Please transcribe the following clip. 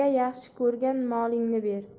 yaxshi ko'rgan molingni ber